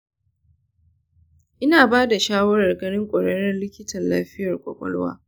ina ba da shawarar ganin kwararren likitan lafiyar ƙwaƙwalwa.